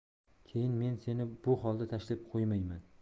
keyin men seni bu holda tashlab qo'ymayman